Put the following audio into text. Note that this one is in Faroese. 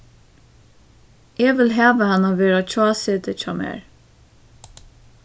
eg vil hava hana at vera hjáseti hjá mær